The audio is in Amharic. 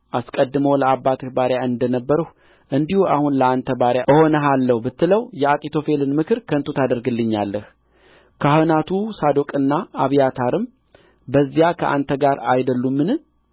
አስቀድሞ ለአባትህ ባሪያ እንደ ነበርሁ እንዲሁ አሁን ለአንተ ባሪያ እሆንሃለሁ ብትለው የአኪጦፌልን ምክር ከንቱ ታደርግልኛለህ ካህናቱ ሳዶቅና አብያታርም በዚያ ከአንተ ጋር አይደሉምን